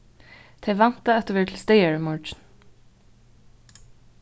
tey vænta at tú verður til staðar í morgin